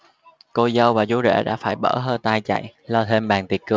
cô dâu và chú rể đã phải bở hơi tai chạy lo thêm bàn tiệc cưới